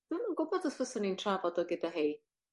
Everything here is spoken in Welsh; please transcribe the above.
dwi'm yn gwbod os fyswn i'n trafod o gyda hi.